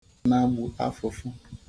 nagbu afụfụ